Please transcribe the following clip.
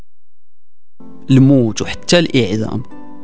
الموت وقت الاذان